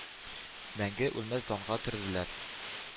Мәңге үлмәс данга төрделәр.